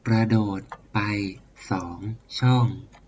กระโดดไปสองช่อง